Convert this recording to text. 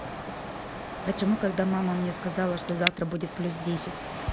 почему когда мама мне сказала что завтра будет плюс десять